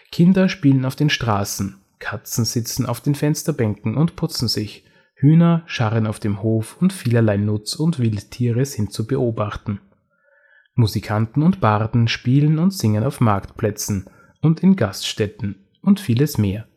Kinder spielen auf den Straßen, Katzen sitzen auf Fensterbänken und putzen sich, Hühner scharren auf dem Hof und vielerlei Nutz - und Wildtiere sind zu beobachten. Musikanten und Barden spielen und singen auf Marktplätzen und in Gaststätten und vieles mehr